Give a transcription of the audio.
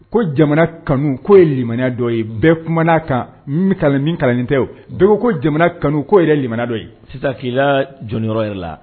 Ko jamana kanu koo ye lammana dɔ ye bɛɛ kuma'a kan kalanin tɛ dɔw ko jamana kanu k'o yɛrɛ lammana dɔ ye sisan k'i la jɔnyɔrɔ yɛrɛ la